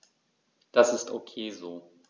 Das ist ok so.